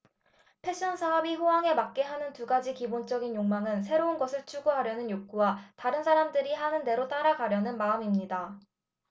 패션 산업이 호황을 맞게 하는 두 가지 기본적인 욕망은 새로운 것을 추구하려는 욕구와 다른 사람들이 하는 대로 따라가려는 마음입니다